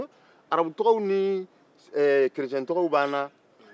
arabutɔgɔw ni kerecɛntɔgɔw b'an na